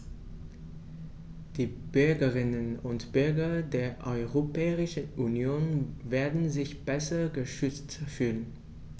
Die Bürgerinnen und Bürger der Europäischen Union werden sich besser geschützt fühlen.